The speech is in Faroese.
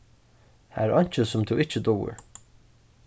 har er einki sum tú ikki dugir